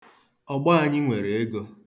Ọgbọ anyị nwere ego.